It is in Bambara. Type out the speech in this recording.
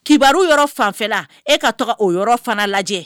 Kibaru yɔrɔ fanfɛla e ka taga o yɔrɔ fana lajɛ